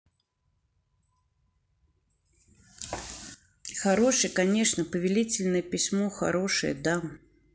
хороший конечно повелительное письмо хорошее да